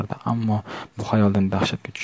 ammo bu xayoldan dahshatga tushib